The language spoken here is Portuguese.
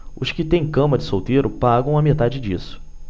os que têm cama de solteiro pagam a metade disso